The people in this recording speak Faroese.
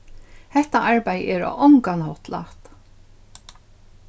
hetta arbeiðið er á ongan hátt lætt